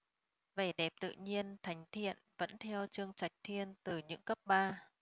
vẻ đẹp tự nhiên thánh thiện vẫn theo chương trạch thiên từ những cấp ba